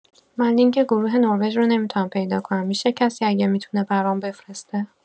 من لینک گروه نروژ رو نمی‌تونم پیدا کنم می‌شه کسی اگر می‌تونه برام بفرسته؟